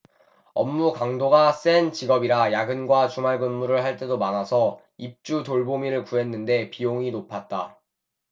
업무 강도가 센 직업이라 야근과 주말근무를 할 때도 많아서 입주돌보미를 구했는데 비용이 높았다